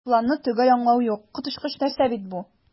"планны төгәл аңлау юк, коточкыч нәрсә бит бу!"